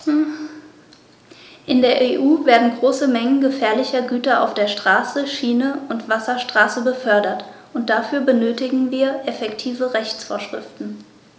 In der EU werden große Mengen gefährlicher Güter auf der Straße, Schiene und Wasserstraße befördert, und dafür benötigen wir effektive Rechtsvorschriften.